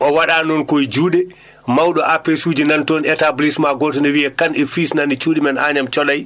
o waɗa noon koye juuɗe mawɗo APS suji nan toon établissement gooto no wiyee Kane et fils nani cuuɗi men Agnam Thiodaye